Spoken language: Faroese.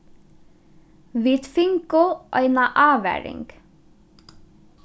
vit fingu eina ávaring